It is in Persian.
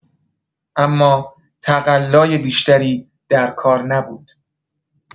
اما تقلای بیشتری در کار نبود.